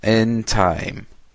In time.